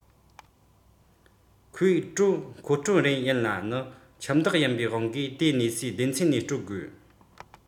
ཁོའི དྲོད མཁོ སྤྲོད རན ཡིན ལ ནི ཁྱིམ བདག ཡིན པའི དབང གིས དེ གནས སའི སྡེ ཚན ནས སྤྲོད དགོས